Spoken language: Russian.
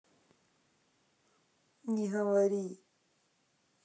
не говори